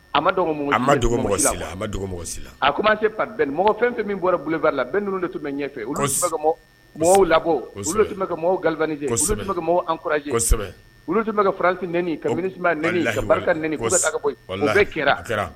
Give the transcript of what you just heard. A ma a pa ni mɔgɔ fɛn fɛn min bɔra bolofa la bɛn ninnu de tun bɛ ɲɛfɛ olu labɔ tun mɔgɔwejɛ tun ka fararanti ni ka n ka n